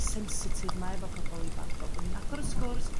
sensitif 'ma efo pobol ifanc fel bo ni'n agor y sgwrs